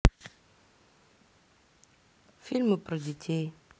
фильмы про детей